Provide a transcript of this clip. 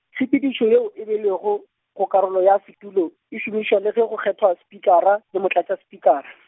tshepedišo yeo e beilwego, go karolo ya setulo, e šomišwa le ge go kgethwa spikara, le motlatšaspikara.